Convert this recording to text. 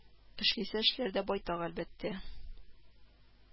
Эшлисе эшләр дә байтак, әлбәттә